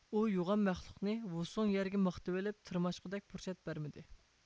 ئۇ يوغان مەخلۇقنى ۋۇ سوڭ يەرگە مىقتىۋېلىپ تىرماشقۇدەك پۇرسەت بەرمىدى